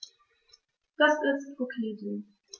Das ist ok so.